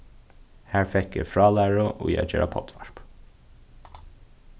har fekk eg frálæru í at gera poddvarp